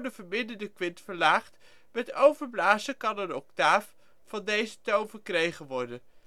verminderde kwint verlaagd, met overblazen kan een octaaf van deze toon verkregen worden